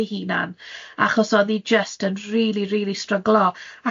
ei hunan, achos oedd hi jyst yn rili, rili stryglo.